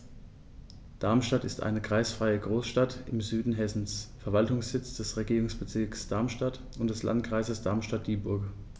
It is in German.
Darmstadt ist eine kreisfreie Großstadt im Süden Hessens, Verwaltungssitz des Regierungsbezirks Darmstadt und des Landkreises Darmstadt-Dieburg.